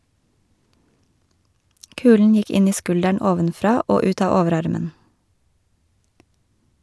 Kulen gikk inn i skulderen ovenfra og ut av overarmen.